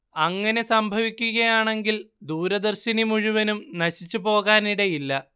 അങ്ങനെ സംഭവിക്കുകയാണെങ്കിൽ ദൂരദർശിനി മുഴുവനും നശിച്ചുപോകാനിടയില്ല